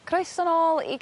Croeso nôl i...